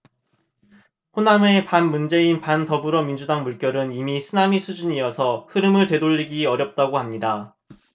호남의 반문재인 반더불어민주당 물결은 이미 쓰나미 수준이어서 흐름을 되돌리기 어렵다고 합니다